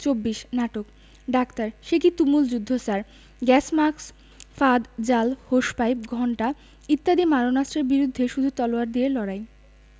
২৪ নাটক ডাক্তার সেকি তুমুল যুদ্ধ স্যার গ্যাস মাস্ক ফাঁদ জাল হোস পাইপ ঘণ্টা ইত্যাদি মারণাস্ত্রের বিরুদ্ধে শুধু তলোয়ার দিয়ে লড়াই